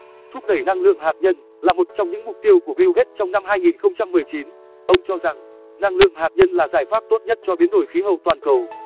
thúc đẩy năng lượng hạt nhân là một trong những mục tiêu của bill gates trong năm ông cho rằng năng lượng hạt nhân là giải pháp tốt nhất cho biến đổi khí hậu toàn cầu